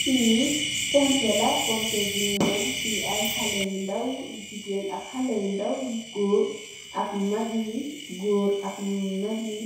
Fee pompeh la pompeh gegang fee aye haleh yu ndaw yu jegain ak haleh yu ndaw yu goor ak mag ye goor ak mag ye